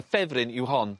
ffefryn yw hon